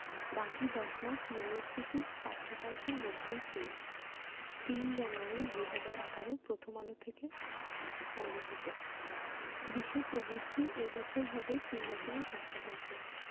বাকি ১০ মাস মূল্যস্ফীতি ৫ শতাংশের মধ্যেই ছিল ০৩ জানুয়ারি ২০১৮ প্রথম আলো থেকে সংগৃহীত বিশ্ব প্রবৃদ্ধি এ বছর হবে ৩.১ শতাংশ